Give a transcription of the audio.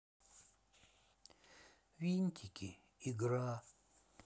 винтики игра